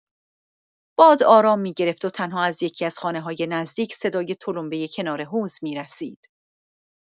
باد آرام می‌گرفت و تنها از یکی‌از خانه‌های نزدیک صدای تلمبه کنار حوض می‌رسید.